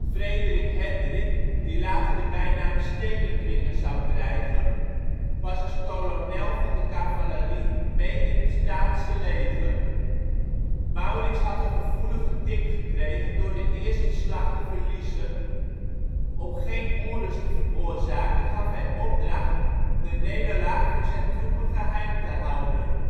Frederik Hendrik, die later de bijnaam Stedendwinger zou krijgen, was als kolonel van de cavalerie mee in het Staatse leger. Maurits had een gevoelige tik gekregen door de eerste slag te verliezen. Om geen onrust te veroorzaken gaf hij opdracht de nederlaag voor zijn troepen geheim te houden